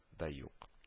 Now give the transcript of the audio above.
Да юк